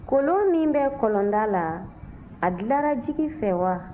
kolon min bɛ kɔlɔnda la a dilanna jigi fɛ wa